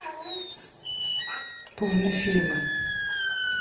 порно фильмы